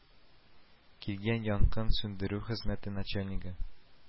Килгән янгын сүндерү хезмәте начальнигы